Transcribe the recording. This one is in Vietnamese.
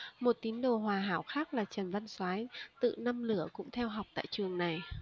một tín đồ hòa hảo khác là trần văn soái tự năm lửa cũng theo học tại trường này